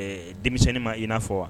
Ɛɛ, denmisɛn ma i n'a fɔ wa?